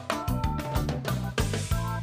Sanunɛgɛnin yo